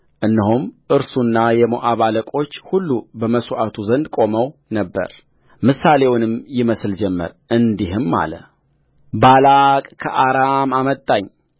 እነሆም እርሱና የሞዓብ አለቆች ሁሉ በመሥዋዕቱ ዘንድ ቆመው ነበርምሳሌውንም ይመስል ጀመር እንዲህም አለባላቅ ከአራም አመጣኝ